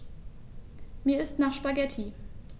Mir ist nach Spaghetti.